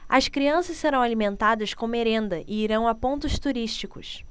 as crianças serão alimentadas com merenda e irão a pontos turísticos